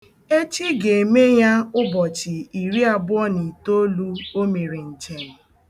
Echi ga-eme ya ụbọchị iri abụọ na itoolu o mere njem.